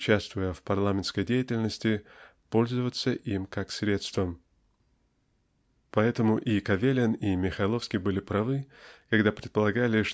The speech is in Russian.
участвуя в парламентской деятельности пользоваться им как средством. Поэтому и Кавелин и Михайловский были правы когда предполагали